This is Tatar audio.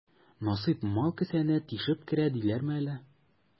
Насыйп мал кесәне тишеп керә диләрме әле?